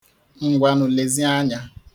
Ngwanụ lezie anya.